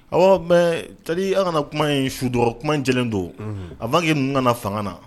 Aw mɛ ta an kana kuma in su kuma jɛ don a'' kana fanga na